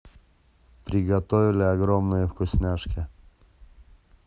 приготовили огромные вкусняшки